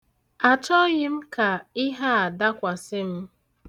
Achọghị m ka ihe a dakwasị m.